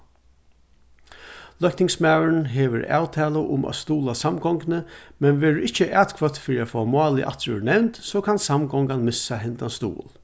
løgtingsmaðurin hevur avtalu um at stuðla samgonguni men verður ikki atkvøtt fyri at fáa málið aftur úr nevnd so kann samgongan missa hendan stuðul